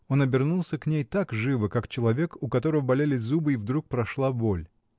Он обернулся к ней так живо, как человек, у которого болели зубы и вдруг прошла боль.